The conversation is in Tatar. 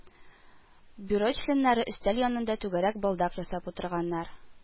Бюро членнары өстәл янында түгәрәк балдак ясап утырганнар